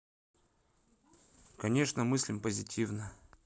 конечно мыслим позитивно